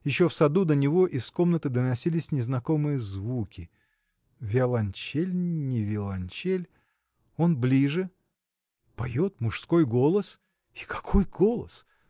Еще в саду до него из комнаты доносились незнакомые звуки. виолончель не виолончель. Он ближе. поет мужской голос, и какой голос!